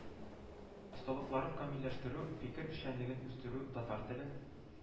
Осталыкларын камиллəштерү, фикер эшчəнлеген үстерү, татар телен